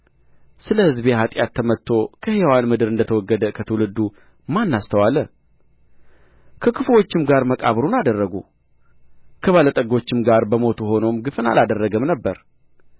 ስለ ሕዝቤ ኃጢአት ተመትቶ ከሕያዋን ምድር እንደ ተወገደ ከትውልዱ ማን አስተዋለ ከክፉዎችም ጋር መቃብሩን አደረጉ ከባለጠጎችም ጋር በሞቱ ሆኖም ግፍን አላደረገም ነበር